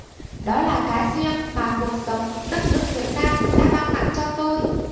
đó là cái duyên mà cuộc sống đất nước việt nam đã ban tặng cho tôi